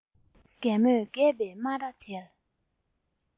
རྒན མོས རྒད པོའི སྨ ར དེར